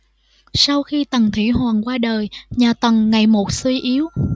sau khi tần thủy hoàng qua đời nhà tần ngày một suy yếu